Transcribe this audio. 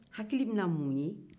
hakili bɛna mun ye